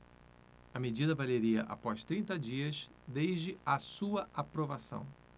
a medida valeria após trinta dias desde a sua aprovação